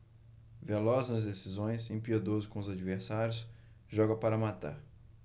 veloz nas decisões impiedoso com os adversários joga para matar